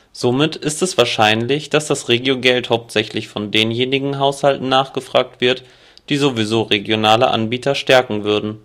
Somit ist es wahrscheinlich, dass das Regiogeld hauptsächlich von denjenigen Haushalten nachgefragt wird, die sowieso regionale Anbieter stärken würden